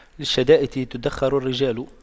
للشدائد تُدَّخَرُ الرجال